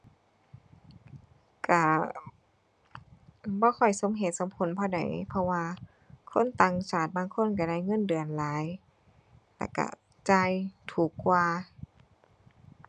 ก็บ่ค่อยสมเหตุสมผลเท่าใด เพราะว่าคนต่างชาติบางคนก็ได้เงินเดือนหลายและก็จ่ายถูกกว่า